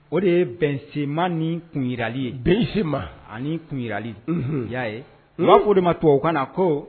O de ye bɛnsema ni kunrali ye bɛnsema ani kunli y'a ye o de ma tubabu o ka na ko